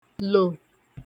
lò